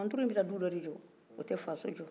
musoma duru in bɛta du don jɔ u tɛ faso jɔ